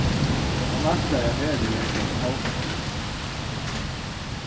hon ætlaði at verða her klokkan hálvgum trý